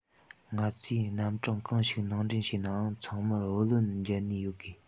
ང ཚོས རྣམ གྲངས གང ཞིག ནང འདྲེན བྱེད ནའང ཚང མར བུ ལོན འཇལ ནུས ཡོད དགོས